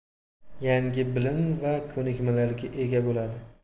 yangi bilim va ko'nikmalarga ega bo'ladi